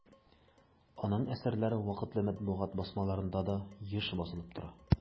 Аның әсәрләре вакытлы матбугат басмаларында да еш басылып тора.